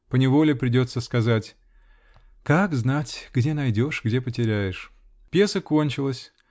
Поневоле придется сказать: "Как знать, где найдешь, где потеряешь?" Пьеса кончилась.